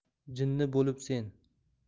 jinni bo'libsen